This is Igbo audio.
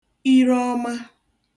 ire ọma